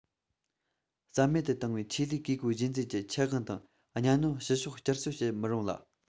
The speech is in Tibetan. རྩ མེད དུ བཏང བའི ཆོས ལུགས བཀས བཀོད རྒྱུད འཛིན གྱི ཁྱད དབང དང གཉའ གནོན བཤུ གཞོག བསྐྱར གསོ བྱེད མི རུང ལ